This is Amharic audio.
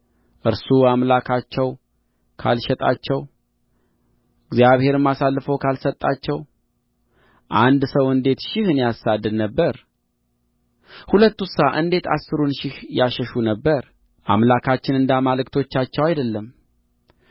እርሱ አምላካቸው ካልሸጣቸው እግዚአብሔርም አሳልፎ ካልሰጣቸው አንድ ሰው እንዴት ሺህን ያሳድድ ነበር ሁለቱሳ እንዴት አሥሩን ሺህ ያሸሹ ነበር አምላካችን እንደ አማልክቶቻቸው አይደለም